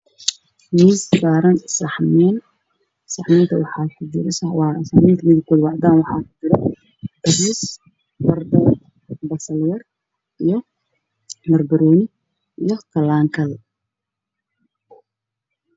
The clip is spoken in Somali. Miis saaran saxamiin saxamiinta midabkooda waa cadaan waxaana ku jiro bariis, bardho, basal yar iyo banbanooni iyo kalaan kal